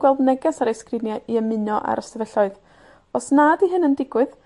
sgrinie i ymuno â'r ystafelloedd. Os na 'di hyn yn digwydd,